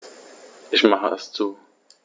Ich mache es zu.